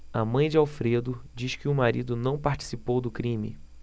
a mãe de alfredo diz que o marido não participou do crime